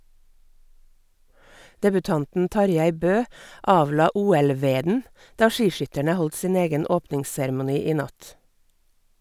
Debutanten Tarjei Bø avla "OL-veden" da skiskytterne holdt sin egen åpningsseremoni i natt.